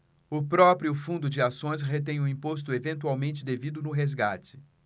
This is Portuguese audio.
o próprio fundo de ações retém o imposto eventualmente devido no resgate